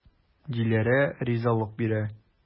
Диләрә ризалык бирә.